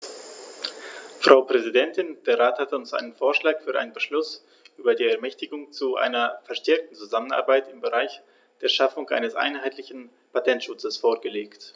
Frau Präsidentin, der Rat hat uns einen Vorschlag für einen Beschluss über die Ermächtigung zu einer verstärkten Zusammenarbeit im Bereich der Schaffung eines einheitlichen Patentschutzes vorgelegt.